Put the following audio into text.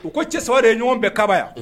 U ko cɛ saba de ye ɲɔgɔn bɛɛ kaba yan